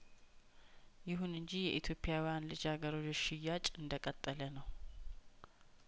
ይሁን እንጂ የኢትዮጵያውያን ልጃገረዶች ሽያጭ እንደቀጠለነው